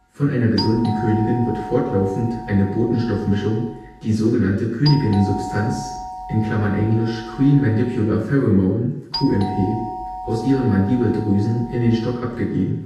Von einer gesunden Königin wird fortlaufend eine Botenstoffmischung, die sogenannte Königinnensubstanz (englisch: Queen Mandibular Pheromone – QMP), aus ihren Mandibeldrüsen in den Stock abgegeben